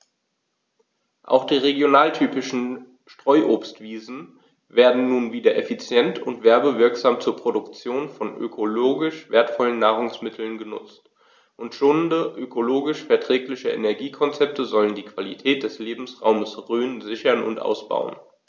Auch die regionaltypischen Streuobstwiesen werden nun wieder effizient und werbewirksam zur Produktion von ökologisch wertvollen Nahrungsmitteln genutzt, und schonende, ökologisch verträgliche Energiekonzepte sollen die Qualität des Lebensraumes Rhön sichern und ausbauen.